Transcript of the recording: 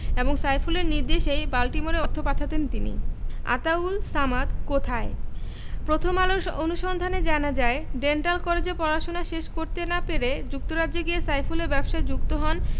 এবং সাইফুলের নির্দেশেই বাল্টিমোরে অর্থ পাঠাতেন তিনি আতাউল সামাদ কোথায় প্রথম আলোর অনুসন্ধানে জানা যায় ডেন্টাল কলেজে পড়াশোনা শেষ করতে না পেরে যুক্তরাজ্যে গিয়ে সাইফুলের ব্যবসায় যুক্ত হন